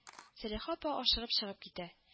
Сәлихә апа ашыгып чыгып китә